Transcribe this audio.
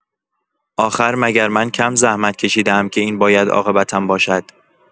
آخر مگر من کم زحمت‌کشیده ام که این باید عاقبتم باشد؟